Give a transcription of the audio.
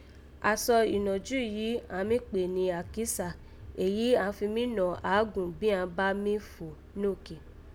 Asọ ìnọ̀jú yìí àán mí kpè ghun "àkísà", èyí àán fi mí nọ̀ àágùn bí àán bá mí fò nókè